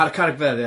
Ar carreg fedd ia.